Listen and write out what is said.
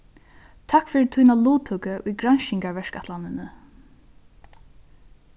takk fyri tína luttøku í granskingarverkætlanini